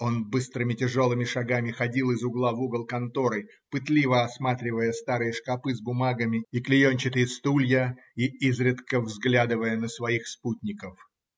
он быстрыми тяжелыми шагами ходил из угла в угол конторы, пытливо осматривая старые шкапы с бумагами и клеенчатые стулья и изредка взглядывая на своих спутников.